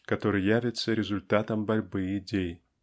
который явится результатом борьбы идей.